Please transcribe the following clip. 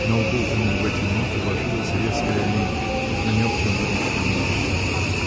На лбу у ней в эти минуты ложилась резкая линия — намек на будущую морщину.